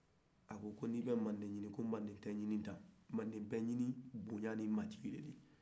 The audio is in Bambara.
a ko n'i bɛ mande ɲini ko mande tɛ ɲini ten mande bɛ ɲini bɔnya ni majigin de la